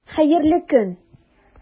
Хәерле көн!